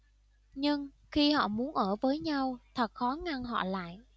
nhưng khi họ muốn ở với nhau thật khó ngăn họ lại